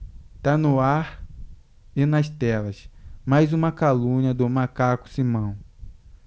tá no ar e nas telas mais uma calúnia do macaco simão